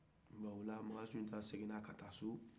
bɔn o la makan sunjata segin na ka taa so